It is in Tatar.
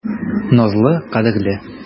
Назлы, кадерле.